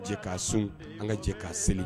jɛ k'a sun an ka jɛ k'a seli.